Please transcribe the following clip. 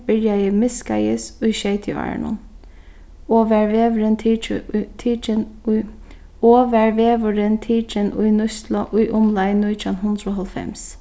byrjaði miðskeiðis í sjeytiárunum og varð vegurin tikið í tikin í og varð vegurin tikin í nýtslu í umleið nítjan hundrað og hálvfems